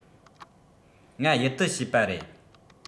ང ཡི ཏུ བྱས པ རེད